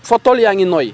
foo toll yaa ngi noyyi